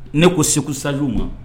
Ne ko segu saj u ma